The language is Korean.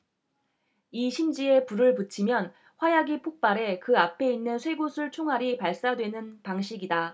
이 심지에 불을 붙이면 화약이 폭발해 그 앞에 있는 쇠구슬 총알이 발사되는 방식이다